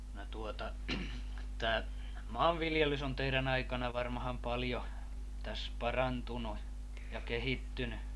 no tuota tämä maanviljelys on teidän aikana varmaan paljon tässä parantunut ja kehittynyt